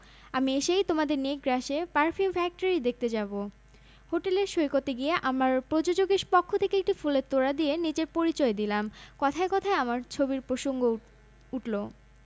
আমি এসেই তোমাদের নিয়ে গ্রাসে পারফিউম ফ্যাক্টরি দেখতে যাবো হোটেলের সৈকতে গিয়ে আমার প্রযোজকের পক্ষ থেকে একটি ফুলের তোড়া দিয়ে নিজের পরিচয় দিলাম কথায় কথায় আমার ছবির প্রসঙ্গ উঠলো